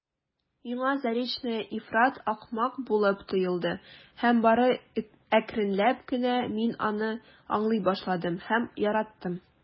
Миңа Заречная ифрат ахмак булып тоелды һәм бары әкренләп кенә мин аны аңлый башладым һәм яраттым.